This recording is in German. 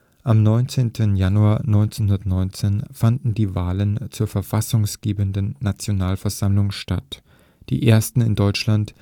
Am 19. Januar 1919 fanden die Wahlen zur verfassunggebenden Nationalversammlung statt, die ersten in Deutschland